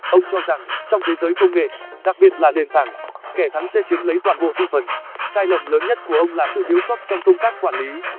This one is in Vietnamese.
ông cho rằng trong thế giới công nghệ đặc biệt là nền tảng kẻ thắng sẽ chiếm lấy toàn bộ thị phần sai lầm lớn nhất của ông là sự thiếu sót trong công tác quản lý